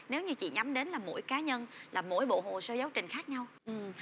nếu như chỉ nhắm đến là mỗi cá nhân là mỗi bộ hồ sơ giáo trình khác nhau